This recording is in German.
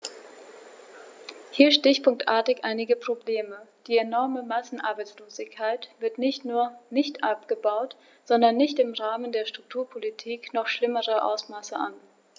Hier stichpunktartig einige Probleme: Die enorme Massenarbeitslosigkeit wird nicht nur nicht abgebaut, sondern nimmt im Rahmen der Strukturpolitik noch schlimmere Ausmaße an.